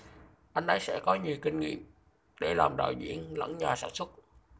anh ấy sẽ có nhiều kinh nghiệm để làm đạo diễn lẫn nhà sản xuất